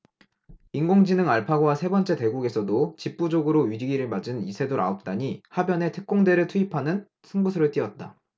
인공지능 알파고와 세 번째 대국에서도 집 부족으로 위기를 맞은 이세돌 아홉 단이 하변에 특공대를 투입하는 승부수를 띄웠다